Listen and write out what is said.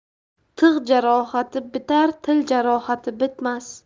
tig' jarohati bitar til jarohati bitmas